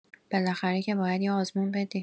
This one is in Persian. بالاخره که باید یه آزمون بدی